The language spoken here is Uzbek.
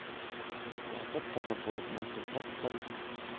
gapir tog'a bo'lib nasihat qil